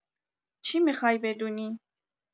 چی می‌خوای بدونی؟